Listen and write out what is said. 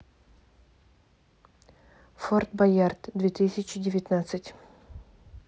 форт боярд две тысячи девятнадцать